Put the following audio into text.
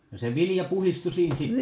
no se vilja puhdistui siinä sitten